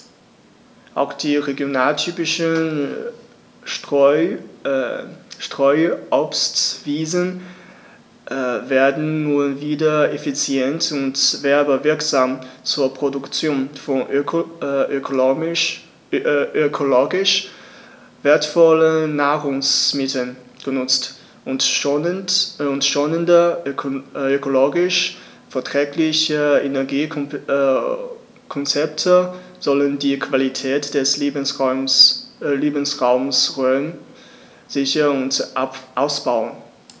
Auch die regionaltypischen Streuobstwiesen werden nun wieder effizient und werbewirksam zur Produktion von ökologisch wertvollen Nahrungsmitteln genutzt, und schonende, ökologisch verträgliche Energiekonzepte sollen die Qualität des Lebensraumes Rhön sichern und ausbauen.